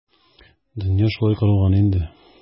Дөнья шулай корылган инде.